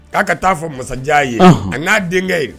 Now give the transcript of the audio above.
K'a ka taa.fɔ masajan ye, ɔnhɔn, a n'a denkɛ ye